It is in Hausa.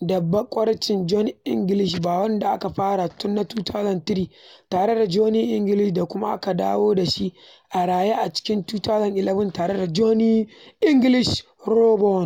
da barkwancin Johnny English ba - wanda aka fara tun a 2003 tare da Johnny English da kuma aka dawo da shi a raye a cikin 2011 tare da Johnny English Reborn.